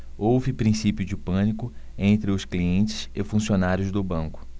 houve princípio de pânico entre os clientes e funcionários do banco